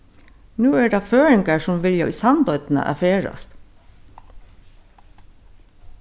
nú eru tað føroyingar sum vilja í sandoynna at ferðast